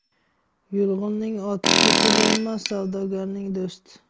yulg'unning o'ti bo'lmas savdogarning do'sti